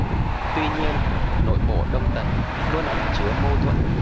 tuy nhiên nội bộ đông tấn luôn ẩn chứa mâu thuẫn